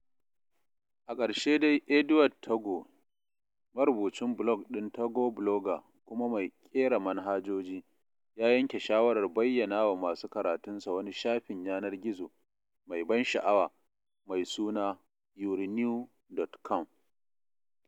A ƙarshe dai Edward Tagoe, marubucin blog ɗin Tagoe Blogger kuma mai ƙera manhajoji, ya yanke shawarar bayyanawa masu karatunsa wani shafin yanar gizo mai ban sha’awa mai suna YOURENEW.COM.